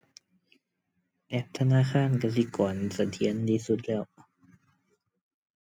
แอปธนาคารกสิกรเสถียรที่สุดแล้ว